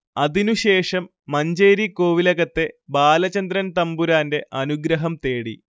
അതിനുശേഷം മഞ്ചേരി കോവിലകത്തെ ബാലചന്ദ്രൻ തന്പുരാൻറെ അനുഗ്രഹം തേടി